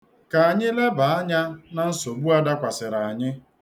Ka anyị lebaa anya na nsogbu a dakwasara anyị.